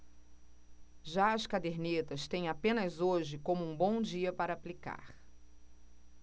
já as cadernetas têm apenas hoje como um bom dia para aplicar